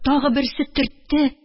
Тагы берсе төртте.